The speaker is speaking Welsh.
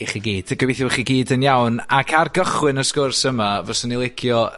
i chi gyd. Dy- gobeithio bo' chi gyd yn iawn. Ac ar gychwyn y sgwrs yma, fyswn i licio